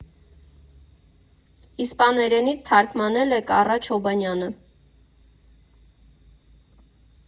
Իսպաներենից թարգմանել է Կառա Չոբանյանը։